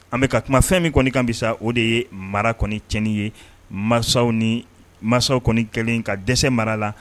An bɛ ka ka kuma fɛn min kɔni kan bi sa o de ye mara kɔni tiyɛni ye masafaw ni masaw kɔni kɛlen ka dɛsɛ mara la.